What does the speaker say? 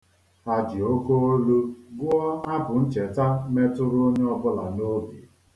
Ha ji oke olu gụọ abụ ncheta metụrụ onye ọbụla n'obi.